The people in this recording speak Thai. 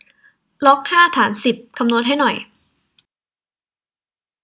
ล็อกห้าฐานสิบคำนวณให้หน่อย